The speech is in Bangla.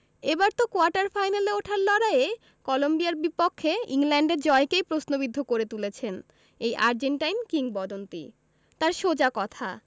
এবার তো কোয়ার্টার ফাইনালে ওঠার লড়াইয়ে কলম্বিয়ার বিপক্ষে ইংল্যান্ডের জয়কেই প্রশ্নবিদ্ধ করে তুলেছেন এই আর্জেন্টাইন কিংবদন্তি তাঁর সোজা কথা